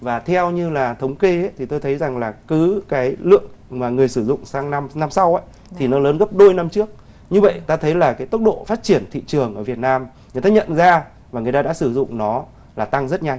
và theo như là thống kê thì tôi thấy rằng là cứ cái lượng mà người sử dụng sang năm năm sau thì nó lớn gấp đôi năm trước như vậy ta thấy là cái tốc độ phát triển thị trường ở việt nam người ta nhận ra mà người ta đã sử dụng nó là tăng rất nhanh